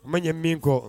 Man ye min kɔ